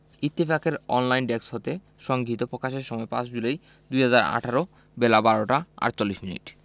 ইত্তফাকের online desk হতে সংগৃহীত প্রকাশের সময় ৫ জুলাই ২০১৮ বেলা১২টা ৪৮ মিনিট